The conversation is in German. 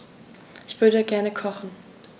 Ich würde gerne kochen.